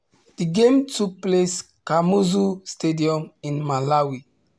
The game took place Kamuzu Stadium in Malawi.